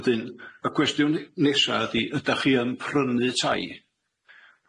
'edyn y gwestiwn nesa ydi ydach chi yn prynu tai?